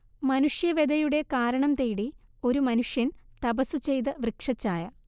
മനുഷ്യവ്യഥയുടെ കാരണംതേടി ഒരു മനുഷ്യൻ തപസ്സുചെയ്ത വൃക്ഷഛായ